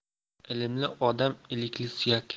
ilmli odam ilikli suyak